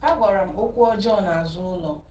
“Ha gwara okwu m ọjọọ n’azụ ụlọ.